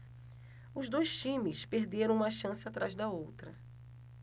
os dois times perderam uma chance atrás da outra